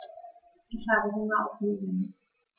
Ich habe Hunger auf Nudeln.